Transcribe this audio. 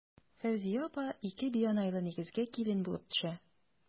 Фәүзия апа ике бианайлы нигезгә килен булып төшә.